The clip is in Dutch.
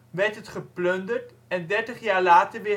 werd het geplunderd en dertig jaar later